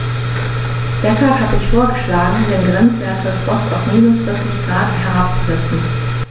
Deshalb habe ich vorgeschlagen, den Grenzwert für Frost auf -40 ºC herabzusetzen.